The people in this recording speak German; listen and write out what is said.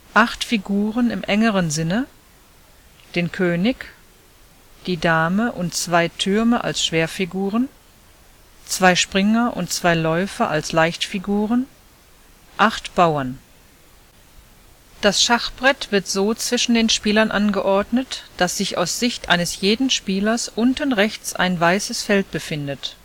Acht Figuren im engeren Sinne: den König die Dame und zwei Türme (Schwerfiguren) zwei Springer und zwei Läufer (Leichtfiguren) Acht Bauern. Das Schachbrett wird so zwischen den Spielern angeordnet, dass sich aus der Sicht eines jeden Spielers unten rechts ein weißes Feld befindet